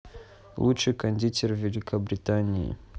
лучший кондитер великобритании